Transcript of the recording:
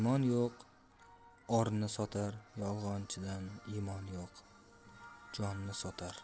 yolg'onchida imon yo'q jonni sotar